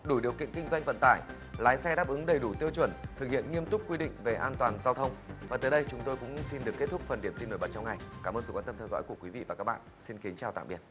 đủ điều kiện kinh doanh vận tải lái xe đáp ứng đầy đủ tiêu chuẩn thực hiện nghiêm túc quy định về an toàn giao thông và tới đây chúng tôi cũng xin được kết thúc phần điểm tin nổi bật trong ngày cảm ơn sự quan tâm theo dõi của quý vị và các bạn xin kính chào tạm biệt